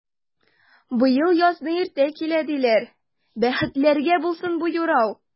Быел язны иртә килә, диләр, бәхетләргә булсын бу юрау!